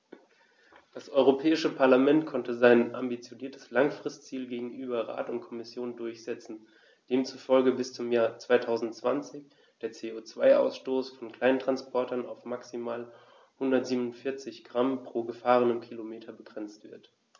Das Europäische Parlament konnte sein ambitioniertes Langfristziel gegenüber Rat und Kommission durchsetzen, demzufolge bis zum Jahr 2020 der CO2-Ausstoß von Kleinsttransportern auf maximal 147 Gramm pro gefahrenem Kilometer begrenzt wird.